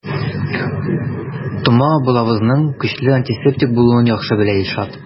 Тома балавызның көчле антисептик булуын яхшы белә Илшат.